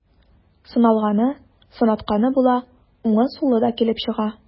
Сыналганы, сынатканы була, уңы, сулы да килеп чыга.